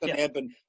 ... neb yn